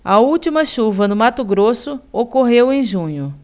a última chuva no mato grosso ocorreu em junho